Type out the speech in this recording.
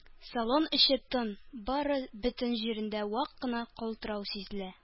Салон эче тын, бары бөтен җирендә вак кына калтырау сизелә